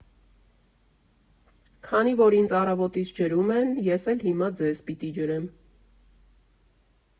«Քանի որ ինձ առավոտից ջրում են, ես էլ հիմա ձեզ պիտի ջրեմ»։